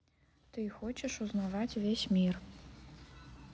ты хочешь узнавать весь мир